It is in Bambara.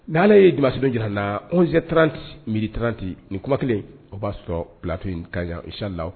Nka ala ye jamanase jirarana koze taranti miiriri taranti nin kuma kelen o b'a sɔrɔ pti in tac la